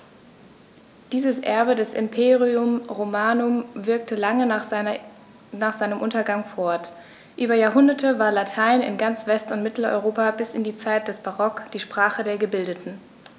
Dieses Erbe des Imperium Romanum wirkte lange nach seinem Untergang fort: Über Jahrhunderte war Latein in ganz West- und Mitteleuropa bis in die Zeit des Barock die Sprache der Gebildeten.